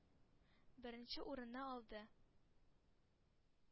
Беренче урынны алды